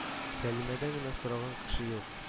Сәлимәдән генә сораган кеше юк